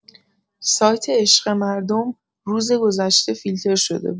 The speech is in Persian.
سایت «عشق مردم» روز گذشته فیلتر شده بود.